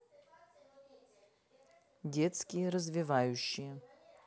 детские развивающие